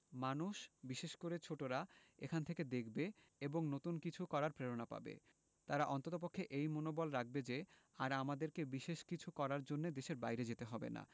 মানুষ বিশেষ করে ছোটরা এখান থেকে দেখবে এবং নতুন কিছু করার প্রেরণা পাবে তারা অন্ততপক্ষে এই মনোবল রাখবে যে আর আমাদেরকে বিশেষ কিছু করার জন্য দেশের বাইরে যেতে হবে না